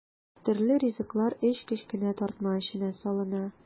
Төрле ризыклар өч кечкенә тартма эченә салына.